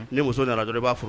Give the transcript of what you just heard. Ni muso nana i b'a fɔ